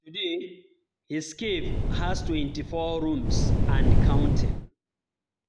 Today, his cave has 24 rooms and counting.